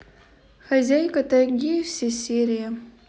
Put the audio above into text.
хозяйка тайги все серии